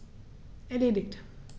Erledigt.